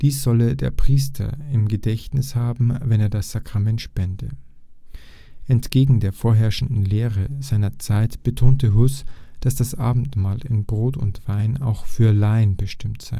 solle der Priester im Gedächtnis haben, wenn er das Sakrament spende. Entgegen der vorherrschenden Lehre seiner Zeit betonte Hus, dass das Abendmahl in Brot und Wein auch für Laien bestimmt